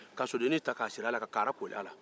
ka sodennin ta ka siri a la ka kaara kori a la